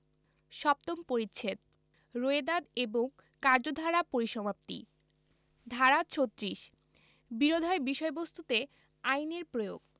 সপ্তম পরিচ্ছেদ রোয়েদাদ এবং কার্যধারা পরিসমাপ্তি ধারা ৩৬ বিরোধের বিষয়বস্তুতে আইনের প্রয়োগ